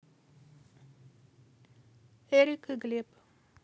эрик и глеб